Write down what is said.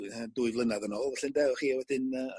dwy yy dwy flynadd yn ôl felly ynde wch chi a wedyn yy